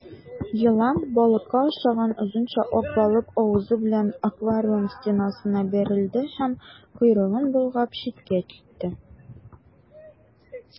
Елан балыкка охшаган озынча ак балык авызы белән аквариум стенасына бәрелде һәм, койрыгын болгап, читкә китте.